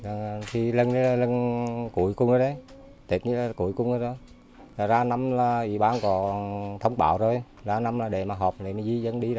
thì lần cuối cùng mới đến tết nguyên anh cuối cùng ở đó ngoài ra năm ủy ban có thông báo đây là năm là để mà họp niệm duy dẫn đi